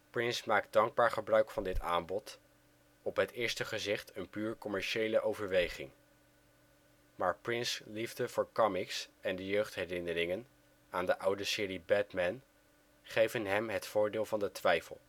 Prince maakt dankbaar gebruik van dit aanbod, op het eerste gezicht een puur commerciële overweging. Maar Princes liefde voor comics en de jeugdherinneringen aan de oude serie Batman geven hem het voordeel van de twijfel